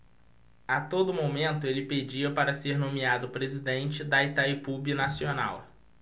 a todo momento ele pedia para ser nomeado presidente de itaipu binacional